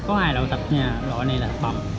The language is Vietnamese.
có loại thịt này là thịt bầm